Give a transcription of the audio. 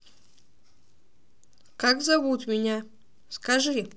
как зовут меня скажи